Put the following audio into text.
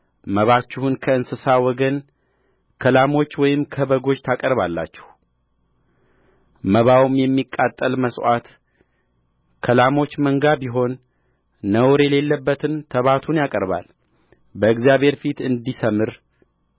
መባችሁን ከእንስሳ ወገን ከላሞች ወይም ከበጎች ታቀርባላችሁመባውም የሚቃጠል መሥዋዕት ከላሞች መንጋ ቢሆን ነውር የሌለበትን ተባቱን ያቀርባል በእግዚአብሔር ፊት እንዲሠምር